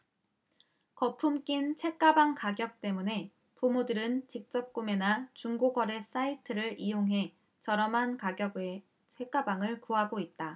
거품 낀 책가방 가격 때문에 부모들은 직접구매나 중고거래 사이트를 이용해 저렴한 가격에 책가방을 구하고 있다